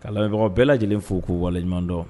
Kalanbagaw bɛɛ lajɛlen fo k'u waleɲumandɔn